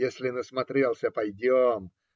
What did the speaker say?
Если насмотрелся - пойдем.